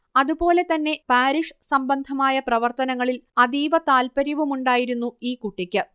അതുപോലെ തന്നെ പാരിഷ് സംബന്ധമായ പ്രവർത്തനങ്ങളിൽ അതീവ താൽപര്യവുമുണ്ടായിരുന്നു ഈ കുട്ടിക്ക്